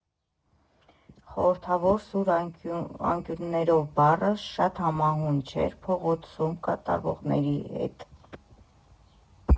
Խորհրդավոր, սուր անկյուններով բառը շատ համահունչ էր փողոցում կատարվողի հետ։